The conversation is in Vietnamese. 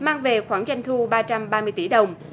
mang về khoản doanh thu ba trăm ba mươi tỷ đồng